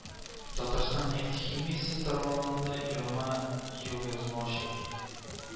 Татарстан нефть химиясе тармагында яңа елъязма ачыла